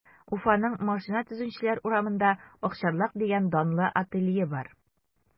Уфаның Машина төзүчеләр урамында “Акчарлак” дигән данлы ателье бар.